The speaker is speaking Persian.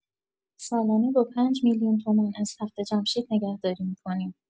سالانه با ۵ میلیون تومان از تخت‌جمشید نگهداری می‌کنیم!